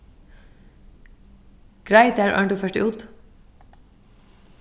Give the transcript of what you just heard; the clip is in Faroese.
greið tær áðrenn tú fert út